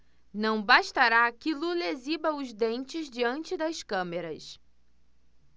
não bastará que lula exiba os dentes diante das câmeras